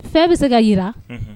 Fɛn bɛ se ka yira